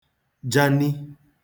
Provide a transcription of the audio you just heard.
jani